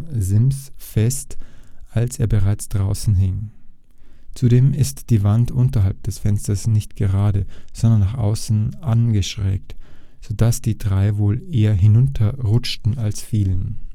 Sims fest, als er bereits draußen hing. Zudem ist die Wand unterhalb des Fensters nicht gerade, sondern nach außen angeschrägt, sodass die drei wohl eher hinunterrutschten als fielen